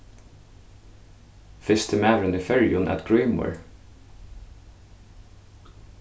fyrsti maðurin í føroyum æt grímur